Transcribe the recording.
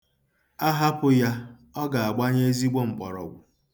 A hapụ ya, ọ ga-agbanye ezigbo mkpọrọgwụ.